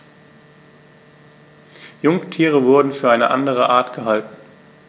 Jungtiere wurden für eine andere Art gehalten.